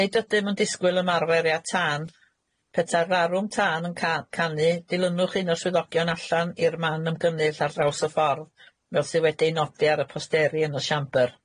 Nid ydym yn disgwyl ymarferiad tân. Petai'r larwm tân yn ca- canu, dilynwch un o'r swyddogion allan i'r man ymgynnull ar draws y ffor', fel sydd wedi'i nodi ar y posteri yn y siambr.